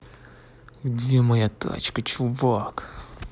где моя тачка чувак